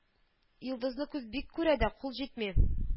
Йолдызны күз бик күрә дә, кул җитми